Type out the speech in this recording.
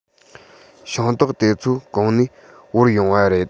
ཤིང ཏོག དེ ཚོ གང ནས དབོར ཡོང བ རེད